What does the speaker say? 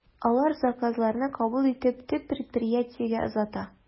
Алар заказларны кабул итеп, төп предприятиегә озата.